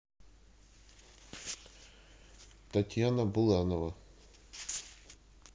татьяна буланова